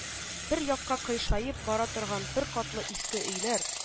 Бер якка кыйшаеп бара торган бер катлы иске өйләр